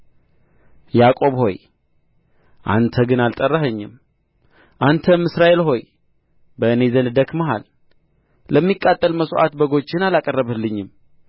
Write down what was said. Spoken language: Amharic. ያዕቆብ ሆይ አንተ ግን አልጠራኸኝም አንተም እስራኤል ሆይ በእኔ ዘንድ ደክመሃል ለሚቃጠል መሥዋዕት በጎችህን አላቀረብህልኝም